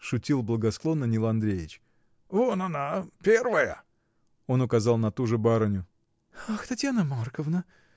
— шутил благосклонно Нил Андреич, — вон она — первая. Он указал на ту же барыню. — Ах, Татьяна Марковна.